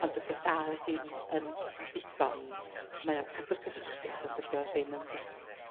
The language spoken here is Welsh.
Ond dydi o dal ddim yn ddigon mae o'n cadw'r cysylltiad ond dydi o ddim yn ddigon.